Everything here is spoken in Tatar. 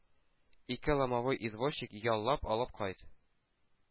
Ике ломовой извозчик яллап алып кайт!